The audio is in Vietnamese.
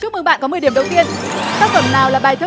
chúc mừng bạn có mười điểm đầu tiên tác phẩm nào là bài thơ